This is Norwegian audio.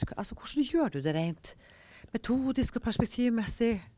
hva altså hvordan gjør du det reint metodisk og perspektivmessig?